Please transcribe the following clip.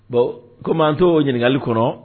Bɔn kɔmitɔ ɲininkali kɔnɔ